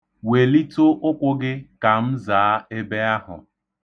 Welitụ ụkwụ gị ka m zaa ebe ahụ.